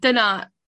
dyna